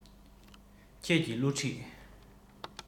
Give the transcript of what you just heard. ཁྱེད ཀྱི བསླུ བྲིད